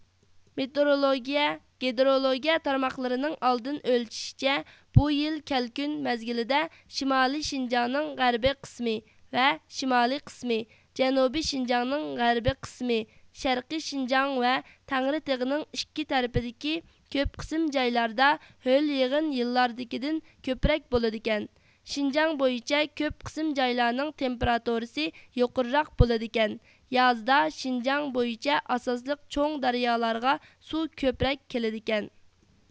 مېتېئورولوگىيە گېدرولوگىيە تارماقلىرىنىڭ ئالدىن ئۆلچىشىچە بۇ يىل كەلكۈن مەزگىلىدە شىمالىي شىنجاڭنىڭ غەربىي قىسمى ۋە شىمالىي قىسمى جەنۇبىي شىنجاڭنىڭ غەربىي قىسمى شەرقىي شىنجاڭ ۋە تەڭرىتېغىنىڭ ئىككى تەرىپىدىكى كۆپ قىسىم جايلاردا ھۆل يېغىن يىللاردىكىدىن كۆپرەك بولىدىكەن شىنجاڭ بويىچە كۆپ قىسىم جايلارنىڭ تېمپېراتۇرىسى يۇقىرىراق بولىدىكەن يازدا شىنجاڭ بويىچە ئاساسلىق چوڭ دەريالارغا سۇ كۆپرەك كېلىدىكەن